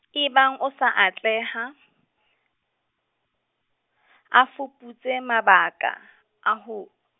ebang o sa atleha, a fuputse mabaka, a ho.